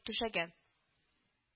Түшәгән